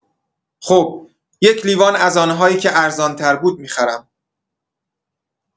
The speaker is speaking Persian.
خب، یک لیوان از آن‌هایی که ارزان‌تر بود می‌خرم.